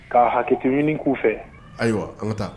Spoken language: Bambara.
K'a hakili ɲini k'u fɛ ayiwa an ka taa